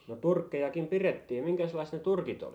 no turkkejakin pidettiin minkäslaiset ne turkit oli